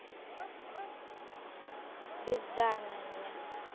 бездарная меня